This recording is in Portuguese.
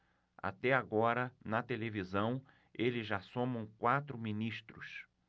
até agora na televisão eles já somam quatro ministros